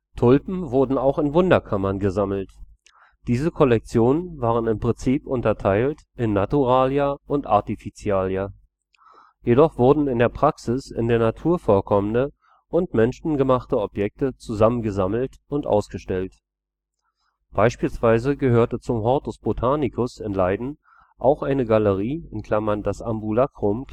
Tulpen wurden auch in Wunderkammern gesammelt. Diese Kollektionen waren im Prinzip unterteilt in naturalia und artificialia. Jedoch wurden in der Praxis in der Natur vorkommende und menschgemachte Objekte zusammen gesammelt und ausgestellt. Beispielsweise gehörte zum Hortus botanicus in Leiden auch eine Galerie (das Ambulacrum